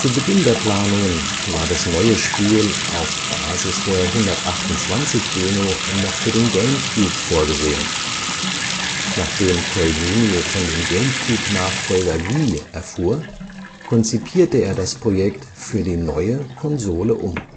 Beginn der Planungen war das neue Spiel auf Basis der 128-Demo noch für den GameCube vorgesehen. Nachdem Koizumi von dem GameCube-Nachfolger Wii erfuhr, konzipierte er das Projekt für die neue Konsole um